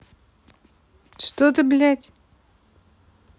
что ты блядь